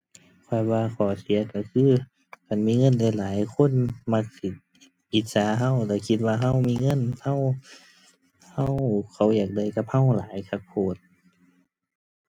ข้อยว่าข้อเสียก็คือ คันมีเงินหลายหลายคนมักสิอิจฉาก็แล้วคิดว่าก็มีเงิน ก็ ก็ เขาอยากได้กับก็หลายคักโพด